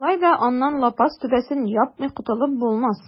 Шулай да аннан лапас түбәсен япмый котылып булмас.